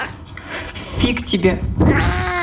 фиг тебе